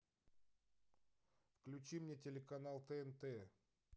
включи мне телеканал тнт